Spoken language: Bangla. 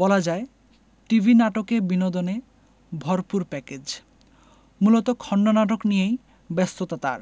বলা যায় টিভি নাটকে বিনোদনে ভরপুর প্যাকেজ মূলত খণ্ডনাটক নিয়েই ব্যস্ততা তার